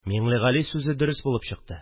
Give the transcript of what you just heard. Миңлегали сүзе дөрес булып чыкты